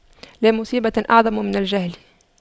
لا مصيبة أعظم من الجهل